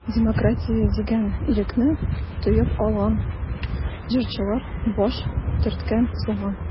Демократия дигән ирекне тоеп алган җырчылар баш төрткән заман.